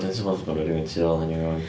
Dwi'n teimlo fatha bod na rywun tu ôl i ni 'wan.